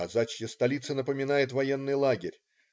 Казачья столица напоминает военный лагерь.